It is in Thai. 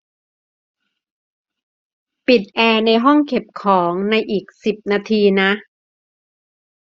ปิดแอร์ในห้องเก็บของในอีกสิบนาทีนะ